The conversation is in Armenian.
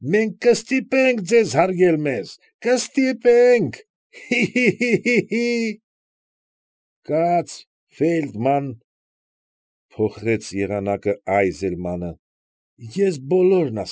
Մենք կստիպենք ձեզ հարգել մեզ, կստիպենք, հի՛, հի՛, հի՛… ֊ Կաց, Ֆեյլդման,֊ փոխեց եղանակը Այզելմանը,֊ ես բոլորն։